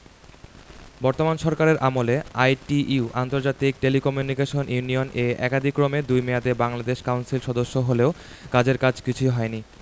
বর্তমান সরকারের আমলে আইটিইউ আন্তর্জাতিক টেলিকমিউনিকেশন ইউনিয়ন এ একাদিক্রমে দুই মেয়াদে বাংলাদেশ কাউন্সিল সদস্য হলেও কাজের কাজ কিছুই হয়নি